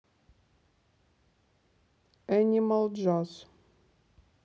энимал джаз